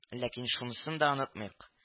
Ләкин шунысын да онытмыйк